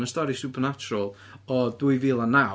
Mae'n stori supernatural o dwy fil a naw.